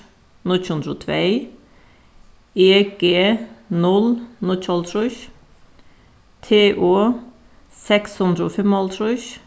níggju hundrað og tvey e g null níggjuoghálvtrýss t o seks hundrað og fimmoghálvtrýss